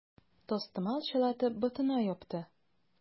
Тастымал чылатып, ботына япты.